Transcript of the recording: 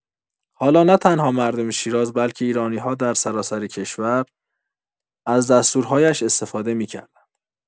حالا نه‌تنها مردم شیراز، بلکه ایرانی‌‌ها در سراسر کشور از دستورهایش استفاده می‌کردند.